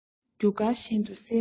རྒྱུ སྐར བཞིན དུ གསལ མི ནུས